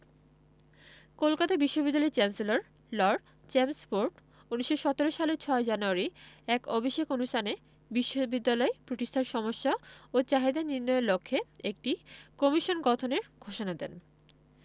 কলকাতা বিশ্ববিদ্যালয়ের chancellor lord Chelmsford ১৯১৭ সালের ৬ জানুয়ারি এক অভিষেক অনুষ্ঠানে বিশ্ববিদ্যালয় প্রতিষ্ঠার সমস্যা ও চাহিদা নির্ণয়ের লক্ষ্যে একটি কমিশন গঠনের ঘোষণা দেন